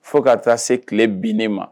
Fo ka taa se kile bin ni ma.